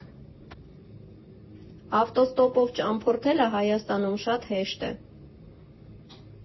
Ավտոստոպով ճամփորդելը Հայաստանում շատ հեշտ է։